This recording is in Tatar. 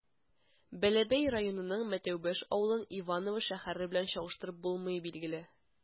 Бәләбәй районының Мәтәүбаш авылын Иваново шәһәре белән чагыштырып булмый, билгеле.